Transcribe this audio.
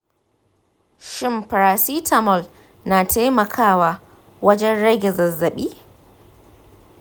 shin paracetamol na taimakawa wajen rage zazzabi?